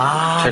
A reit.